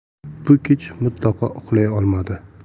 bu kech mutlaqo uxlay olmadi